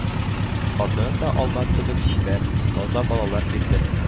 Хатыны да алма кебек чибәр, таза балалар бирде